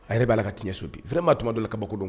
A yɛrɛ bi Ala ka tiɲɛ so bi . vraiment tuma dɔw la kabako don.